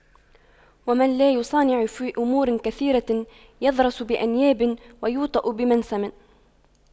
ومن لا يصانع في أمور كثيرة يضرس بأنياب ويوطأ بمنسم